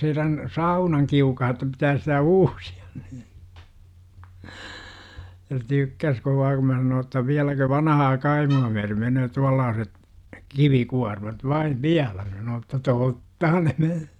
heidän saunankiukaan että pitäisi sitä uusia niin. se tykkäsi kovaa kun minä sanoin jotta vieläkö vanhaa kaimoa myöten menee tuollaiset - kivikuormat vain vielä sanoo että tottahan ne -